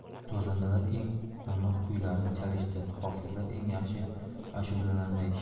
sozandalar eng quvnoq kuy larini chalishdi hofizlar eng yaxshi ashulalarini aytishdi